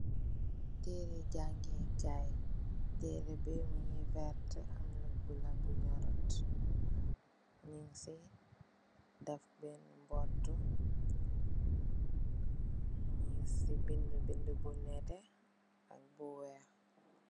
Tereeh jàngeekaay, tereeh bi mungi vert, am lu bulo bu nurot. Nung ci deff benn botu, nung ci bind, bind bu nètè ak bu weeh.